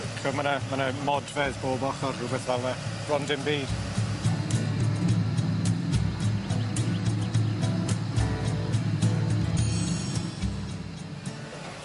Ch'od ma' 'na ma' 'na modfedd pob ochor rwbeth fel 'na, bron dim byd.